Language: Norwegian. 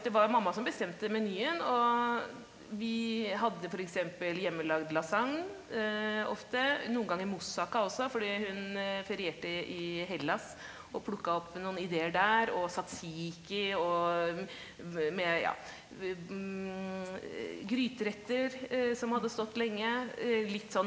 det var mamma som bestemte menyen og vi hadde f.eks. hjemmelagd lasagne ofte noen ganger moussakka også fordi hun ferierte i Hellas og plukka opp noen ideer der og tzatziki og med ja gryteretter som hadde stått lenge litt sånn.